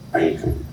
Ayi